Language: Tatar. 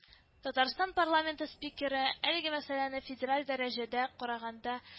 Татарстан парламенты спикеры әлеге мәсьәләне федераль дәрәҗәдә караганда